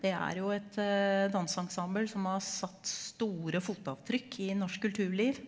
det er jo et danseensemble som har satt store fotavtrykk i norsk kulturliv.